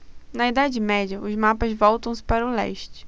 na idade média os mapas voltam-se para o leste